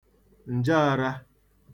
ǹjeārā